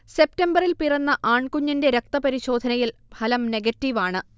സെപ്റ്റംബറിൽ പിറന്ന ആൺകുഞ്ഞിന്റെ രക്തപരിശോധനയിൽ ഫലം നെഗറ്റീവ് ആണ്